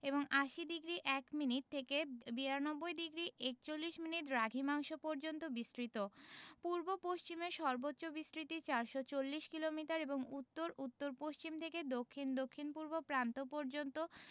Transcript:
এবং ৮০ degree ০১ minute থেকে ৯২ degree ৪১মিনিট দ্রাঘিমাংশ পর্যন্ত বিস্তৃত পূর্ব পশ্চিমে সর্বোচ্চ বিস্তৃতি ৪৪০ কিলোমিটার এবং উত্তর উত্তর পশ্চিম থেকে দক্ষিণ দক্ষিণপূর্ব প্রান্ত পর্যন্ত